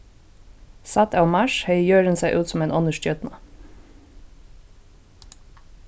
sædd av mars hevði jørðin sæð út sum ein onnur stjørna